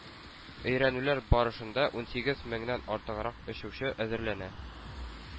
Өйрәнүләр барышында унсигез меңнән артыграк очучы әзерләнә,